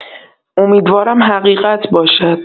امیدوارم حقیقت باشد.